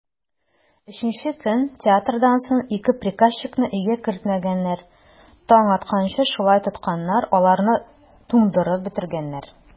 Өченче көн театрдан соң ике приказчикны өйгә кертмәгәннәр, таң атканчы шулай тотканнар, аларны туңдырып бетергәннәр.